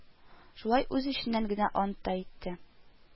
Шулай үз эченнән генә ант та итте